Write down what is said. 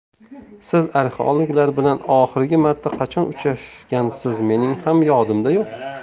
siz arxeologlar bilan oxirgi marta qachon uchrashgansiz mening ham yodimda yo'q